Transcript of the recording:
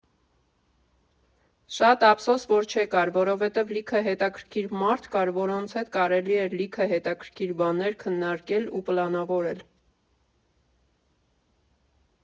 Շատ ափսոս, որ չեկար, որովհետև լիքը հետաքրքիր մարդ կար, որոնց հետ կարելի էր լիքը հետաքրքիր բաներ քննարկել ու պլանավորել։